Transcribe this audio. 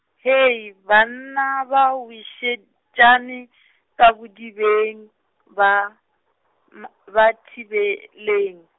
Hei, banna ba wišetšana ka bodibeng ba, ma- ba thibeleng.